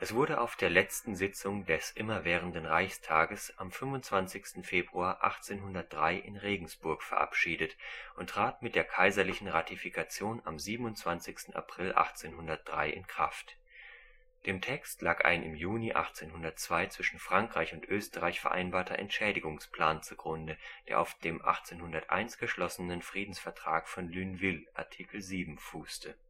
wurde auf der letzten Sitzung des Immerwährenden Reichstags am 25. Februar 1803 in Regensburg verabschiedet und trat mit der kaiserlichen Ratifikation am 27. April 1803 in Kraft. Dem Text lag ein im Juni 1802 zwischen Frankreich und Österreich vereinbarter Entschädigungsplan zugrunde, der auf dem 1801 geschlossenen Friedensvertrag von Lunéville (Art. 7) fußte